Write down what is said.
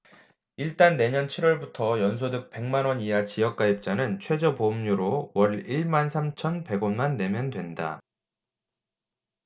일단 내년 칠 월부터 연소득 백 만원 이하 지역가입자는 최저보험료로 월 일 만 삼천 백 원만 내면 된다